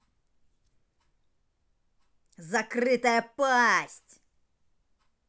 закрытая пасть